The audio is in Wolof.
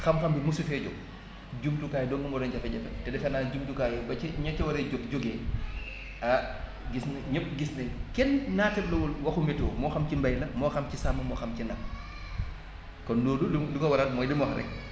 xam-xam bi mosu fee jóg jumtukaay dong moo doon jafe-jafe te defe naa jumtukaay yooyu ba ci ña ca war a jóg jóge ah gis na ñépp gis nañ kenn naatablewul waxu météo moo xam ci mbay la moo xam ci sàmm moo xam ci napp kon loolu lu lu ko waral mooy li mu wax rekk